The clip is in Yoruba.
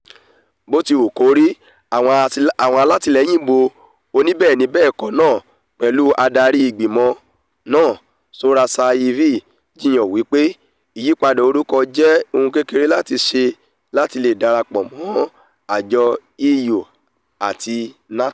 Bótiwùkórí, àwọn alatilẹyin ìbò onibẹẹni-bẹẹkọ náà, pẹlu Adarí Igbimọ naa Zoran Zaev, jiyàn wípé ìyípadà orúkọ jẹ ihun kékeré láti ṣe lati le darapọ mọ àjọ EU àti NATO.